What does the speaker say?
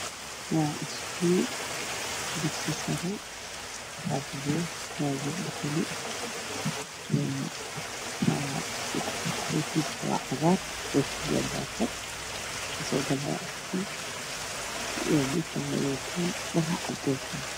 Waa iskuul waxaa jooga gabdho waxay wataan xijaabo iyo cabaayado caddaan ah waxa ay qorayaan